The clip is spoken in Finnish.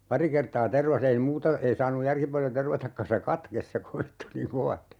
pari kertaa tervasi ei muuta ei saanut järki paljon tervatakaan se katkesi se kovettui niin kovasti